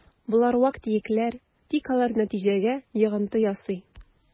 Болар вак-төякләр, тик алар нәтиҗәгә йогынты ясый: